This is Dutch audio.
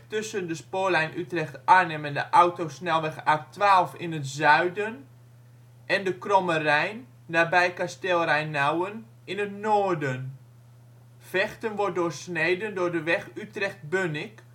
de spoorlijn Utrecht-Arnhem en de A12 in het zuiden en de Kromme Rijn, nabij Kasteel Rhijnauwen in het noorden, en bestaat feitelijk uit slechts één straat. Vechten wordt doorsneden door de weg Utrecht-Bunnik